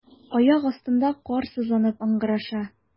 Аяк астында кар сызланып ыңгыраша.